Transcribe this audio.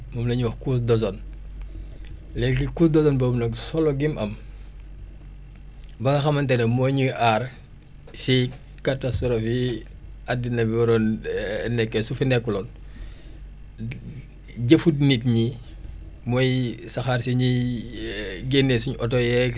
moom la ñuy wax couche d' ozone léegi couche d' ozone boobu nag solo gim am ba nga xamante ne moo ñuy aar si catastrophes yi addina bi waroon nekkee su fi nekkuloon jëfu nit ñi mooy saxaar si ñuy génnee suñ oto yeeg